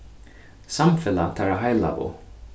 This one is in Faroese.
samfelag teirra heilagu